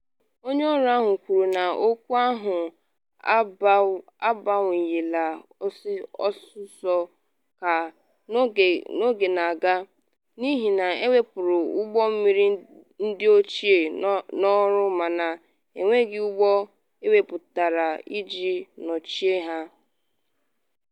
Onye ọrụ ahụ kwuru na okwu ahụ abawanyela ọsọọsọ ka n’oge na-aga, n’ihi na ewepụrụ ụgbọ mmiri ndị ochie n’ọrụ mana enweghị ụgbọ ewepụtara iji nọchie ha.